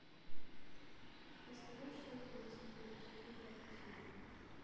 настоящие аферисты первый сезон пятая серия